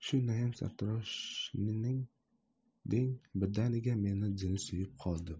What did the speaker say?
shu naim sartaroshning deng birdaniga meni jini suyib qoldi